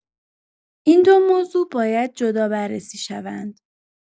این دو موضوع باید جدا بررسی شوند.